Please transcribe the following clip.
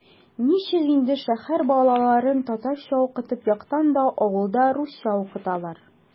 Ничек инде шәһәр балаларын татарча укытып ятканда авылда русча укыталар?!